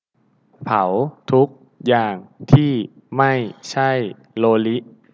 เผาทุกอย่างที่ไม่ใช่โลลิ